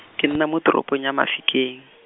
ke nna mo toropong ya Mafikeng.